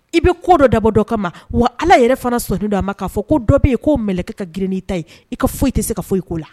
I bɛ ko dɔ dabɔ dɔ kama ma? wa Ala yɛrɛ fana sɔnnen don a ma k'a fɔ ko dɔ bɛ yen k'o mɛlɛkɛ ka girin ni ta ye, i ka foyi tɛ se ka foyi k'o la.